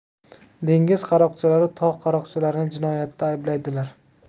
dengiz qaroqchilari tog' qaroqchilarini jinoyatda ayblaydilar